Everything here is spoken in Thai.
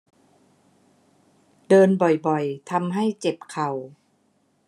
เดินบ่อยบ่อยทำให้เจ็บเข่า